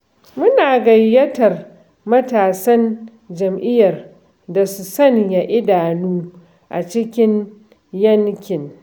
Muna gayyatar matasan jam'iyyar da su sanya idanu a cikin yankin.